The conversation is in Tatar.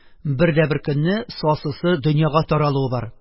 Бер дә бер көнне сасысы дөньяга таралуы бар